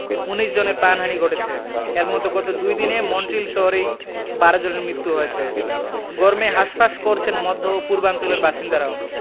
১৯ জনের প্রাণহানি ঘটেছে এর মধ্যে গত দুদিনে মন্ট্রিল শহরেই ১২ জনের মৃত্যু হয়েছে গরমে হাসফাঁস করছেন মধ্য ও পূর্বাঞ্চলের বাসিন্দারাও